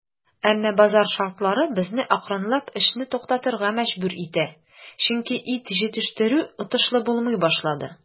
Әмма базар шартлары безне акрынлап эшне туктатырга мәҗбүр итә, чөнки ит җитештерү отышлы булмый башлады.